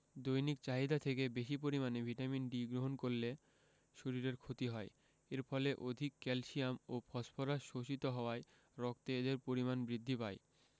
দৈনিক চাহিদা থেকে বেশী পরিমাণে ভিটামিন D গ্রহণ করলে শরীরের ক্ষতি হয় এর ফলে অধিক ক্যালসিয়াম ও ফসফরাস শোষিত হওয়ায় রক্তে এদের পরিমাণ বৃদ্ধি পায়